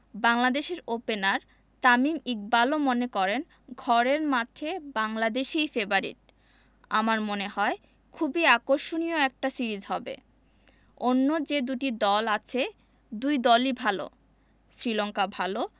বাংলাদেশের ওপেনার তামিম ইকবালও মনে করেন ঘরের মাঠে বাংলাদেশই ফেবারিট আমার কাছে মনে হয় খুবই আকর্ষণীয় একটা সিরিজ হবে অন্য যে দুটি দল আছে দুই দলই ভালো শ্রীলঙ্কা ভালো